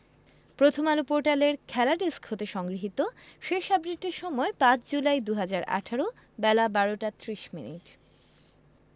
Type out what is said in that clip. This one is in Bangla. প্রথমআলো পোর্টালের খেলা ডেস্ক হতে সংগৃহীত শেষ আপডেটের সময় ৫ জুলাই ২০১৮ বেলা ১২টা ৩০মিনিট